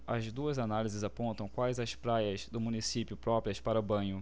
as duas análises apontam quais as praias do município próprias para banho